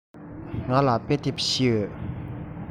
ང ལ དཔེ དེབ བཞི ཡོད